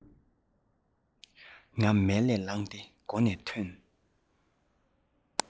ང མལ ལས ལངས ཏེ སྒོ ནས ཐོན